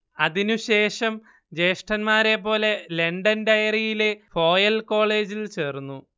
അതിനു ശേഷം ജ്യേഷ്ഠന്മാരെപ്പോലെ ലണ്ടൻ ഡെറിയിലെ ഫോയൽ കോളേജിൽ ചേർന്നു